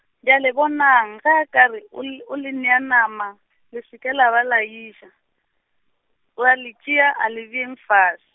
bjale bonang, ge a ka re, o l-, o le nea nama , le seke la ba la eja, wa le tšea, a le beeng fase.